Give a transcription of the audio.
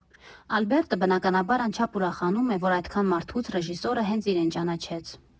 Ալբերտը, բնականաբար, անչափ ուրախանում է, որ այդքան մարդուց ռեժիսորը հենց իրեն ճանաչեց։